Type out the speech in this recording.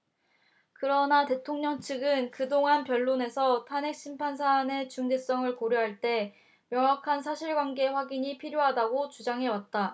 그러나 대통령 측은 그동안 변론에서 탄핵심판 사안의 중대성을 고려할 때 명확한 사실관계 확인이 필요하다고 주장해왔다